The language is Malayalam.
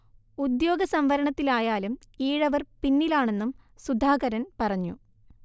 ഉദ്യോഗ സംവരണത്തിലായാലും ഈഴവർ പിന്നിലാണെന്നും സുധാകരൻ പറഞ്ഞു